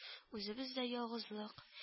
Үзебездә ялгызлык